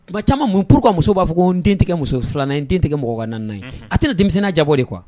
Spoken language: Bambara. Nka caman mun pur ka muso b'a fɔ ko n dentigɛ muso filanan in dentigɛ mɔgɔgannan ye a tɛ denmisɛnnin jabɔ de kuwa